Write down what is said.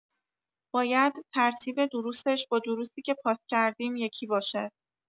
باید ترتیب دروسش با دروسی که پاس کردیم یکی باشه؟